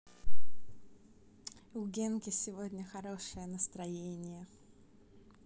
у генки сегодня хорошее настроение